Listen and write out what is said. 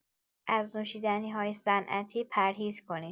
از نوشیدنی‌های صنعتی پرهیز کنید.